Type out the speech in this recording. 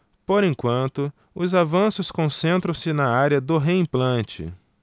por enquanto os avanços concentram-se na área do reimplante